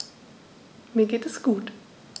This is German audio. Mir geht es gut.